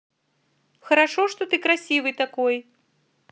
хорошо что ты красивый такой